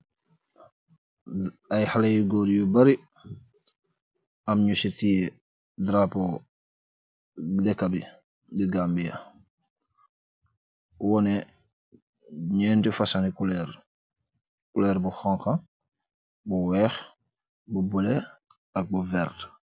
Ay xaley góor yu bari am ñu ci tiyee drapo dekka bi di Gambia wone ñenti fasoni culer bu xonka bu weex bu bule ak bu verde.